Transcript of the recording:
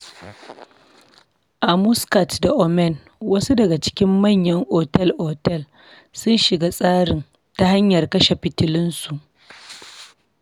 A Muscat da Omen, wasu daga cikin manyan otel-otel sun shiga tsarin ta hanyar kashe fitulunsu.